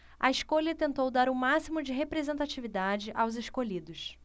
a escolha tentou dar o máximo de representatividade aos escolhidos